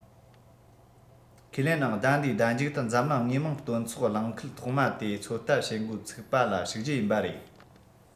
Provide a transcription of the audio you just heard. ཁས ལེན ནང ཟླ འདིའི ཟླ མཇུག ཏུ འཛམ གླིང དངོས མང སྟོན ཚོགས གླིང ཁུལ ཐོག མ དེ ཚོད ལྟ བྱེད འགོ ཚུགས པ ལ ཞུགས རྒྱུ ཡིན པ རེད